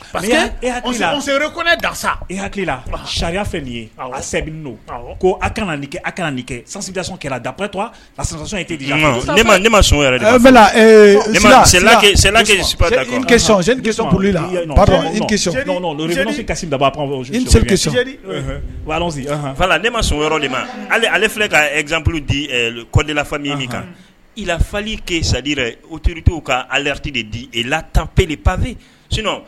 Sariya kɛsi dap fa ne ma de ma ale ale filɛ kap di kɔndlafali min kan i lafali ke saji yɛrɛ otote ka aleti de di e la tan pe de papi